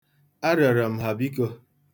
Arịọrọ m ha biko.